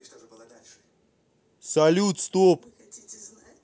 салют стоп